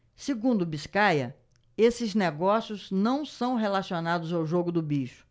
segundo biscaia esses negócios não são relacionados ao jogo do bicho